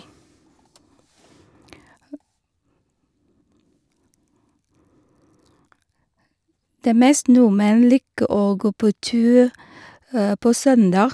De meste nordmenn liker å gå på tur på søndag.